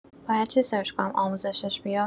باید چی سرچ کنم آموزشش بیاد